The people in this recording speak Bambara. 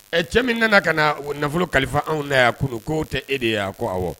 Ɛ cɛ min nana ka na nafolo kalifa anw na kunun ko'o tɛ e de ye wa? Ko ,awɔ.